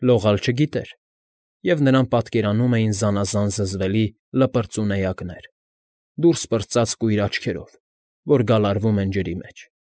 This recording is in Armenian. Լողալ չգիտեր, և նրան պատկերանում էին զանազան զզվելի լպրծուն էակներ, դուրս պրծած կույր աչքերով, որ գալարվում են ջրի մեջ։